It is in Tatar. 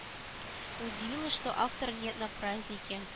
Удивило что автора нет на празднике